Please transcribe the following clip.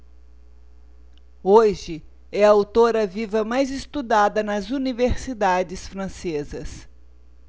hoje é a autora viva mais estudada nas universidades francesas